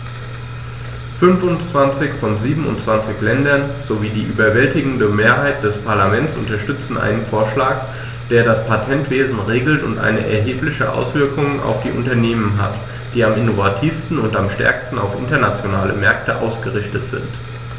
Fünfundzwanzig von 27 Ländern sowie die überwältigende Mehrheit des Parlaments unterstützen einen Vorschlag, der das Patentwesen regelt und eine erhebliche Auswirkung auf die Unternehmen hat, die am innovativsten und am stärksten auf internationale Märkte ausgerichtet sind.